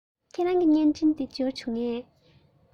ཁྱེད རང གི བརྙན འཕྲིན དེ འབྱོར བྱུང ངས